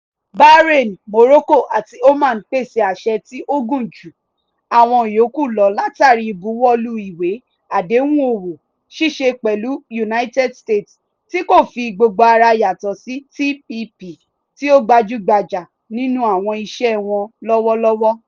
Bahrain, Morocco, àti Oman pèsè àṣẹ tí ó gùn jù àwọn yòókù lọ látàrí ìbuwọ́lù ìwé àdéhùn òwò ṣíṣe pẹ̀lú United States, tí kò fi gbogbo ara yàtọ̀ sí TPP tí ó gbajúgbajà nínú àwọn iṣẹ́ wọn lọ́wọ́ lọ́wọ́.